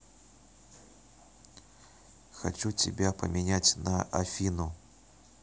хочу тебя поменять на афину